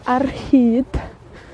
ar hyd